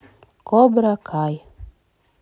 кобра кай